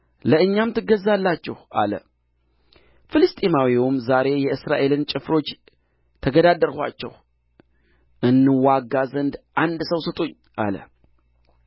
ለእኛም ትገዛላችሁ አለ ፍልስጥኤማዊውም ዛሬ የእስራኤልን ጭፎሮች ተገዳደርኋቸው እንዋጋ ዘንድ አንድ ሰው ስጡኝ አለ